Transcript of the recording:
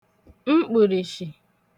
mkpụ̀rị̀shị̀